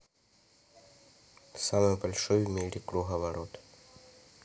самый большой в мире круговорот